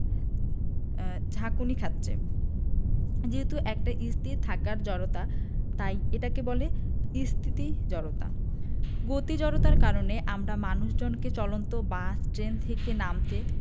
ঝাঁকুনি খাচ্ছে যেহেতু এটা স্থির থাকার জড়তা তাই এটাকে বলে স্থিতি জড়তা গতি জড়তার কারণে আমরা মানুষজনকে চলন্ত বাস ট্রেন থেকে নামতে